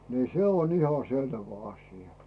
niin se on ihan selvä asia